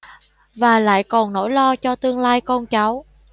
và lại còn nỗi lo cho tương lai con cháu